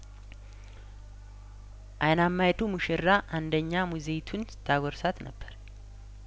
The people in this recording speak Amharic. አይናማዪቱ ሙሽራ አንደኛ ሙዜዪቱን ስታጐርሳት ነበር